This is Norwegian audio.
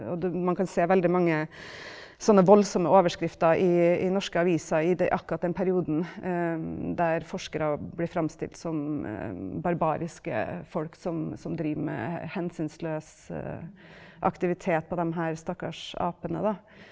og man kan se veldig mange sånne voldsomme overskrifter i i norske aviser i akkurat den perioden der forskere blir fremstilt som barbariske folk som som driver med hensynsløs aktivitet på dem her stakkars apene da.